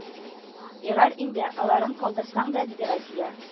Ярар инде, аларын калдырсаң да, диде Разия